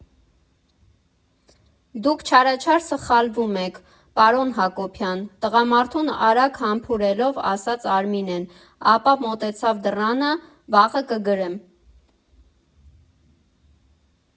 Դուք չարաչար սխալվում եք, պարոն Հակոբյան, ֊ տղամարդուն արագ համբուրելով ասաց Արմինեն, ապա մոտեցավ դռանը, ֊ Վաղը կգրեմ։